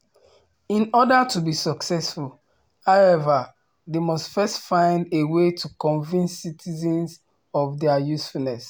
In order to be successful, however, they must first find a way to convince citizens of their usefulness.